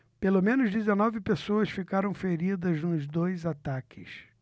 pelo menos dezenove pessoas ficaram feridas nos dois ataques